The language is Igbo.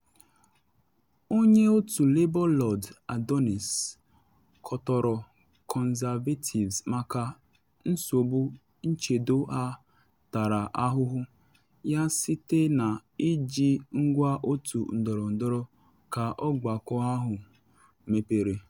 Onye otu Labour Lord Adonis kọtọrọ Conservatives maka nsogbu nchedo ha tara ahụhụ ya site na iji ngwa otu ndọrọndọrọ ka ọgbakọ ahụ mepere.